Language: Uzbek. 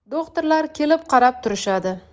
do'xtirlar kelib qarab turishadi